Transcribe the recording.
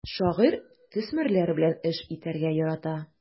Шагыйрь төсмерләр белән эш итәргә ярата.